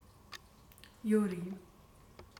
ཡོད རེད